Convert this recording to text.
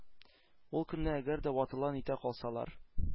Ул көнне әгәр дә ватыла-нитә калсалар,